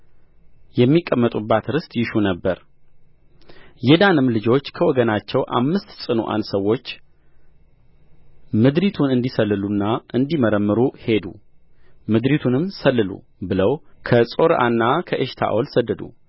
የሚቀመጡባት ርስት ይሹ ነበር የዳንም ልጆች ከወገናቸው አምስት ጽኑዓን ሰዎች ምድሪቱን እንዲሰልሉና እንዲመረምሩ ሂዱ ምድሪቱንም ሰልሉ ብለው ከጾርዓና ከኤሽታኦል ሰደዱ